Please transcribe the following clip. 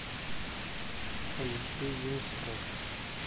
алексей земсков